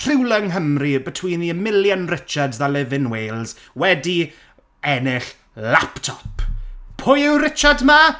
Rhywle yng Ngymru between the a million Richards that live in Wales wedi ennill laptop pwy yw'r Richard 'ma?